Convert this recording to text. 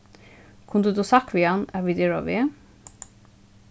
kundi tú sagt við hann at vit eru á veg